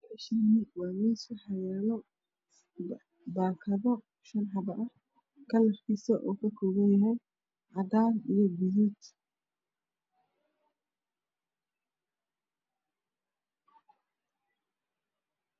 Halkaas waxaa yaalo baakado shan xabo ah kalarkisu uu ka kooban yahay cadaan iyo gaduud